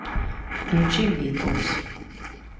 включи битлс